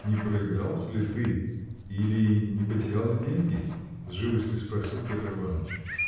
Не проигрался ли ты, или не потерял ли деньги? – с живостью спросил Петр Иваныч.